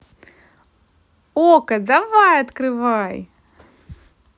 okko давай открывай